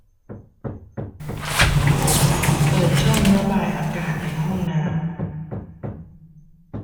เปิดช่องระบายอากาศในห้องน้ำ